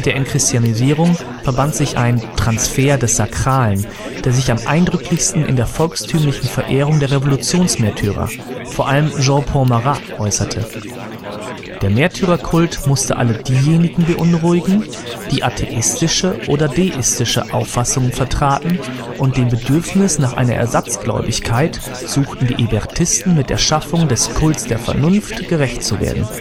Entchristianisierung verband sich ein „ Transfer des Sakralen “, der sich am eindrücklichsten in der volkstümlichen Verehrung der Revolutionsmärtyrer, vor allem Jean-Paul Marats, äußerte. Der Märtyrerkult musste alle diejenigen beunruhigen, die atheistische oder deistische Auffassungen vertraten, und dem Bedürfnis nach einer „ Ersatzgläubigkeit “suchten die Hébertisten mit der Schaffung des Kults der Vernunft gerecht zu werden